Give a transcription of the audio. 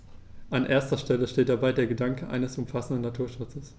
An erster Stelle steht dabei der Gedanke eines umfassenden Naturschutzes.